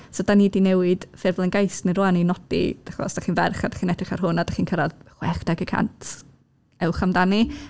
So dan ni 'di newid ffurflen gais ni rŵan i nodi, dych chi'n gwbod, os dych chi'n ferch a dych chi'n edrych ar hwn a dych chi'n cyrraedd chwech deg y cant ewch amdani!